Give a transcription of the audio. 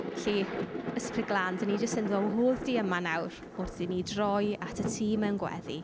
Felly, Ysbryd Glân, dan ni jyst yn dy wahodd 'di yma nawr wrth i ni droi atat ti mewn gweddi.